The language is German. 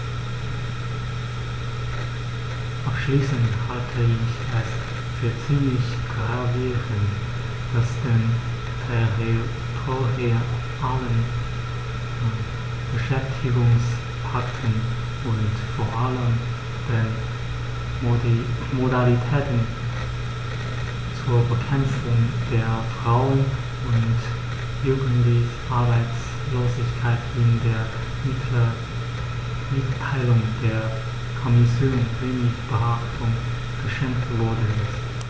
Abschließend halte ich es für ziemlich gravierend, dass den territorialen Beschäftigungspakten und vor allem den Modalitäten zur Bekämpfung der Frauen- und Jugendarbeitslosigkeit in der Mitteilung der Kommission wenig Beachtung geschenkt worden ist.